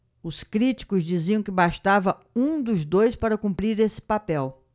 os críticos diziam que bastava um dos dois para cumprir esse papel